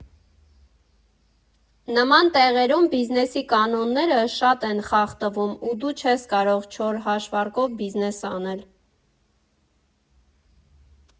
Նման տեղերում բիզնեսի կանոնները շատ են խախտվում, ու դու չես կարող չոր հաշվարկով բիզնես անել։